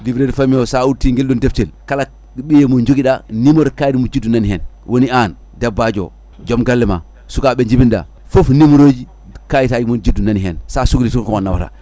livret de famille o sa udditi guel ɗon deftel kala e ɓiiye mo joguiɗa numéro kayit mum juddu nani hen woni an debbajo o joom galle ma sukaɓe ɓe jibinɗa foof numéro uji kayitaji mumen juddu nani hen sa sohli tan ko on nawata